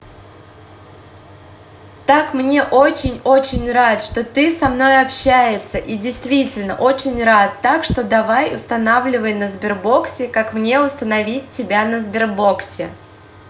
так мне очень очень рад что ты со мной общается и действительно очень рад так что давай устанавливай на сбербоксе как мне установить тебя на сбербоксе